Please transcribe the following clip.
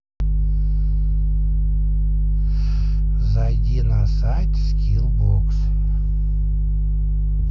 зайди на сайт скил бокс